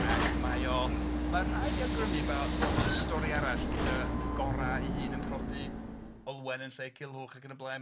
Ac mae o ma' rhai 'di awgrymu ba- bo- bod o'n stori arall gyda Gora 'i hun yn prodi Olwen yn lle Culhwch ac yn y blaen.